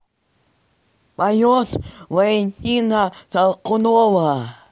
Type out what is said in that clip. поет валентина толкунова